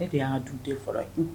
Ne de y'an ka du denfɔlɔ ye